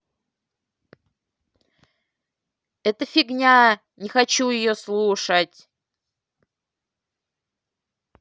это фигня не хочу ее слушать